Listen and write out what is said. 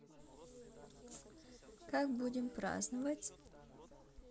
как будем праздновать